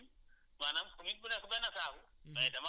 19 communes maanaam nit ku nekk benn saako